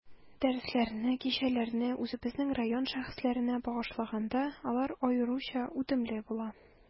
Дәресләрне, кичәләрне үзебезнең район шәхесләренә багышлаганда, алар аеруча үтемле була.